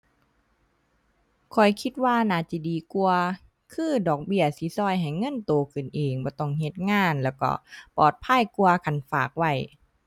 ข้อยคิดว่าน่าจิดีกว่า คือดอกเบี้ยสิช่วยให้เงินโตขึ้นเอง บ่ต้องเฮ็ดงาน แล้วก็ปลอดภัยกว่าคันฝากไว้